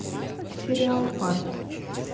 сериал парт